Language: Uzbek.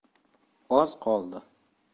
oz qold